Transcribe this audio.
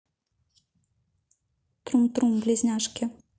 трум трум близняшки